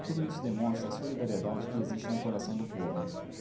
tudo isso demonstra a solidariedade que existe no coração do povo